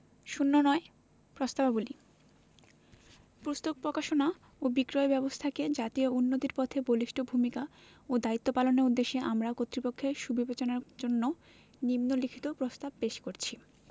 ০৯ প্রস্তাবাবলী পুস্তক প্রকাশনা ও বিক্রয় ব্যাবস্থাকে জাতীয় উন্নতির পথে বলিষ্ঠ ভূমিকা ও দায়িত্ব পালনের উদ্দেশ্যে আমরা কর্তৃপক্ষের সুবিবেচনার জন্য নিন্ম লিখিত প্রস্তাব পেশ করছি